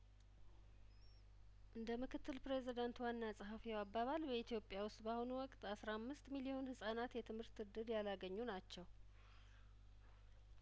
እንደምክትል ፕሬዚዳንት ዋና ጸሀፊው አባባል በኢትዮጵያ ውስጥ በአሁኑ ወቅት አስራአምስት ሚሊዮን ህጻናት የትምህርት እድል ያላገኙ ናቸው